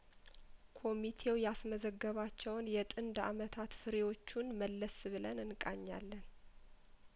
ኮሚቴው ያስመዘገባቸውን የጥንድ አመታት ፍሬዎቹን መለስ ብለን እንቃኛለን